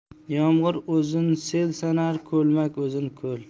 yomg'ir o'zin sel sanar ko'lmak o'zin ko'l